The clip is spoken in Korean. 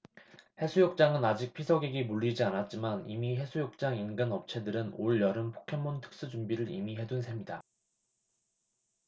해수욕장은 아직 피서객이 몰리지 않았지만 이미 해수욕장 인근 업체들은 올 여름 포켓몬 특수 준비를 이미 해둔 셈이다